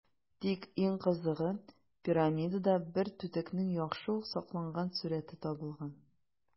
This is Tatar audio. Тик иң кызыгы - пирамидада бер түтекнең яхшы ук сакланган сурəте табылган.